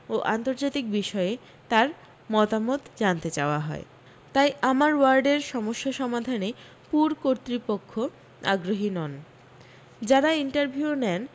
ও আন্তর্জাতিক বিষয়ে তার মতামত জানতে চাওয়া হয় তাই আমার ওয়ার্ডের সমস্যা সমাধানে পুর কর্তৃপক্ষ আগ্রহী নন যারা ইন্টারভিউ নেন